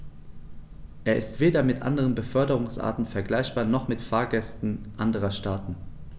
Er ist weder mit anderen Beförderungsarten vergleichbar, noch mit Fahrgästen anderer Staaten.